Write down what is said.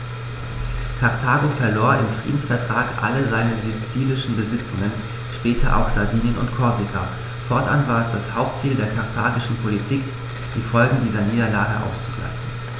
Karthago verlor im Friedensvertrag alle seine sizilischen Besitzungen (später auch Sardinien und Korsika); fortan war es das Hauptziel der karthagischen Politik, die Folgen dieser Niederlage auszugleichen.